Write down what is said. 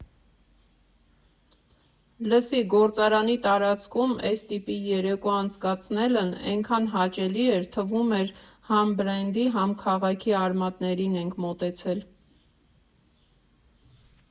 Լսի, գործարանի տարածքում էս տիպի երեկո անցկացնելն էնքան հաճելի էր, թվում էր՝ համ բրենդի, համ քաղաքի արմատներին ենք մոտեցել։